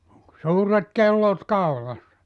oli suuret kellot kaulassa